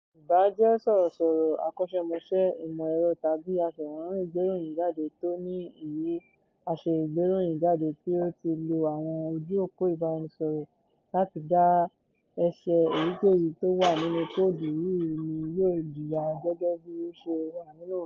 Ì báà jẹ́ Sọ̀rọ̀sọ̀rọ̀, Akọ́ṣẹmọṣẹ ìmọ̀ ẹ̀rọ tàbí Aṣerànwó ìgbéròyìn jáde tó ní ìwé àṣẹ ìgbéròyìn jáde tí ó ti lo àwọn ojú òpó ìbánisọ̀rọ̀ láti dá ẹ̀ṣẹ̀ èyíkèyí tó wà nínú kóòdù yìí ni yóò jìyà gẹ́gẹ́ bí ó ṣe wà nínú ofin.